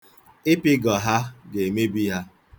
Ịpịgọ ha ga-emebi ha.